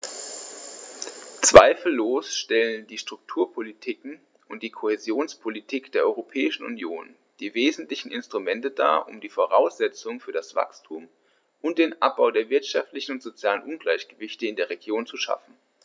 Zweifellos stellen die Strukturpolitiken und die Kohäsionspolitik der Europäischen Union die wesentlichen Instrumente dar, um die Voraussetzungen für das Wachstum und den Abbau der wirtschaftlichen und sozialen Ungleichgewichte in den Regionen zu schaffen.